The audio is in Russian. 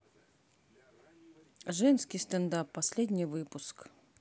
женский стендап последний выпуск